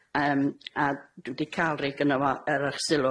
yym a dwi 'di ca'l rei gynno fo er 'ych sylw.